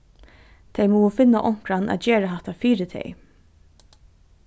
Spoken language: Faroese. tey mugu finna onkran at gera hatta fyri tey